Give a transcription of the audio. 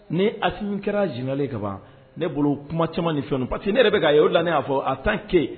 Ni Asimi kɛra général ye ban ne bolo kuma caman ni fɛn parce que ne yɛrɛ bɛ k'a yo o de la ne y'a fɔ en tant que